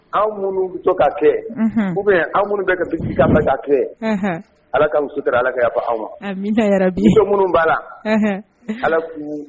Anw minnu bɛ to ka kɛ, unhun, oubien aw minnu bɛ ka kɛ, unhun, Ala k'aw sutura, Ala ka yaf'aw ma, amina yarabi, muso minnu b'a la Ala ku